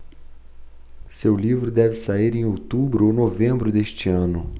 seu livro deve sair em outubro ou novembro deste ano